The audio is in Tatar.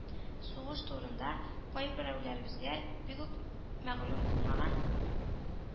Сугыш турында кайберәүләребезгә бигүк мәгълүм булмаган